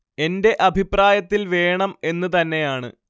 എന്റെ അഭിപ്രായത്തിൽ വേണം എന്ന് തന്നെയാണ്